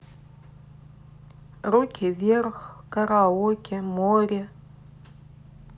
руки вверх караоке море